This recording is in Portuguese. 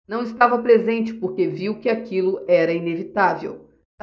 não estava presente porque viu que aquilo era inevitável